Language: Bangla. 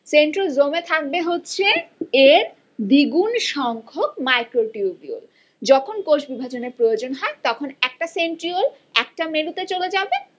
সেন্ট্রোজোম এ থাকবে হচ্ছে এর দ্বিগুণ সংখ্যক মাইক্রোটিউবিউল যখন কোষ বিভাজনের প্রয়োজন হয় তখন একটা সেন্ট্রিওল একটা মেরুতে চলে যাবে